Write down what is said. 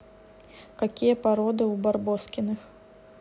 какие породы у барбоскиных